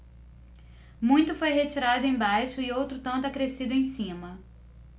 muito foi retirado embaixo e outro tanto acrescido em cima